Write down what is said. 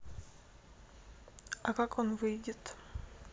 а как он выйдет